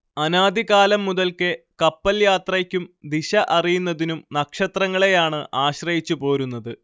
അനാദി കാലം മുതൽക്കേ കപ്പൽ യാത്രയ്ക്കും ദിശ അറിയുന്നതിനും നക്ഷത്രങ്ങളെയാണ് ആശ്രയിച്ചുപോരുന്നത്